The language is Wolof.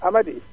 Amady